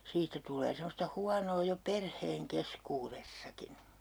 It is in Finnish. siitä tulee semmoista huonoa jo perheen keskuudessakin